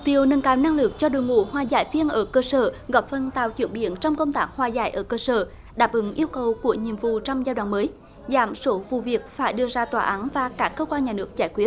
tiêu nâng cao năng lực cho đội ngũ hòa giải viên ở cơ sở góp phần tạo chuyển biến trong công tác hòa giải ở cơ sở đáp ứng yêu cầu của nhiệm vụ trong giai đoạn mới giảm số vụ việc phải đưa ra tòa án ra cả cơ quan nhà nước giải quyết